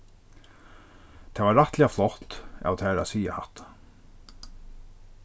tað var rættiliga flott av tær at siga hatta